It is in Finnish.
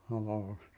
no -